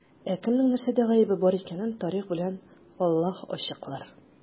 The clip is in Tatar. Ә кемнең нәрсәдә гаебе бар икәнен тарих белән Аллаһ ачыклар.